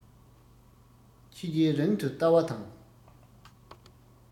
ཕྱི རྗེས རིང དུ ལྟ བ དང